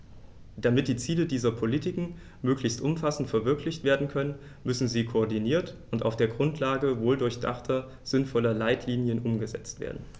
Damit die Ziele dieser Politiken möglichst umfassend verwirklicht werden können, müssen sie koordiniert und auf der Grundlage wohldurchdachter, sinnvoller Leitlinien umgesetzt werden.